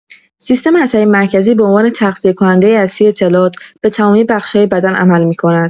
سیستم عصبی مرکزی به‌عنوان تغذیه‌کننده اصلی اطلاعات به تمامی بخش‌های بدن عمل می‌کند.